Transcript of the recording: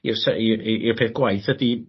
i'r sy- i- i- i 'r peth gwaith ydi